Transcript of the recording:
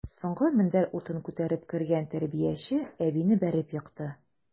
Соңгы мендәр утын күтәреп кергән тәрбияче әбине бәреп екты.